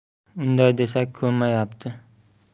unday desak ko'nmayapti